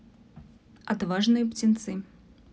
отважные птенцы